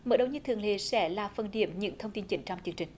mở đâu như thường lệ sẽ là phần điểm những thông tin chính trong chương trình